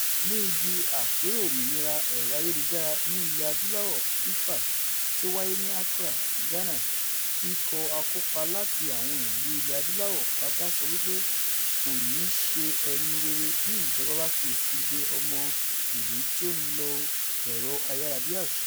Ní ibi Àpérò Òmìnira Ẹ̀rọ-ayélujára ní Ilẹ̀-Adúláwọ̀ (FIFA) tí ó wáyé ní Accra, Ghana, ikọ̀ akópa láti àwọn ìlú ilẹ̀ Adúláwọ̀ pátá sọ wípé kò ní ṣe ẹnu rere bí ìjọba bá fi òfin de ọmọ-ìlú tí ó ń lo ẹ̀rọ-ayárabíaṣá.